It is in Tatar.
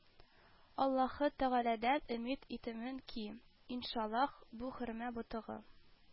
Аллаһы Тәгаләдән өмид итәмен ки, иншаллаһ, бу хөрмә ботагы